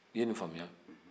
i ye nin famiya